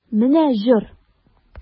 Менә җор!